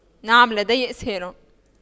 نعم لدي إسهال